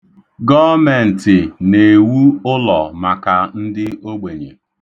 Gọọmentị na-ewu ụlọ maka ndị ogbenye.